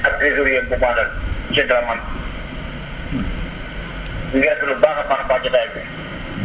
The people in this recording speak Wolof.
ak trésorier bu baax nag * ñu ngi rafetlu bu baax a baax jotaay bi